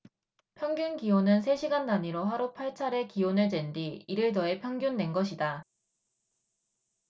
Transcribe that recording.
평균기온은 세 시간 단위로 하루 팔 차례 기온을 잰 뒤 이를 더해 평균 낸 것이다